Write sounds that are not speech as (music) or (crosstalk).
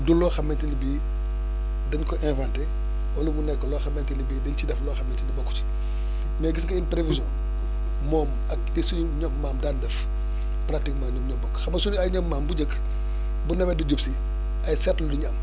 du loo xamante ne bii dañ ko inventé wala mu nekk loo xamante ne bii dañ ci def loo xamante ni bokku ci mais gis nga une prévision moom ak li suñu ñoom maam daan def pratiquement ñoom ñoo bokk xam nga sunuy ay ñoom maam bu njëkk (breath) bu nawet di jub si ay seetlu la ñuy am